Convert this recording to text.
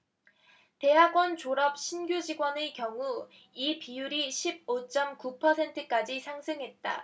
대학원 졸업 신규직원의 경우 이 비율이 십 오 쩜 구 퍼센트까지 상승했다